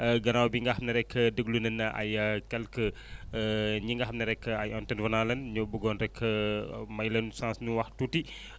gannaaw bi nga xam ne rek déglu nañ ay quelques ñi nga xam ne rek ay intervenants lañ ñoo buggoon rek may leen chance ñu wax tuuti